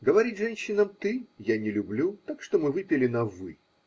говорить женщинам "ты" я не люблю, так что мы выпили на "вы".